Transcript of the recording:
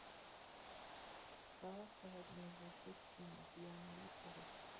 Տարածքը հայտնի էր որպես կինո «Պիոների» փողոց։